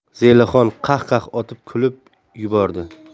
zelixon qah qah otib kulib yubordi